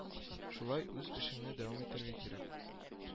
Шулай үз эшеңне дәвам итәргә кирәк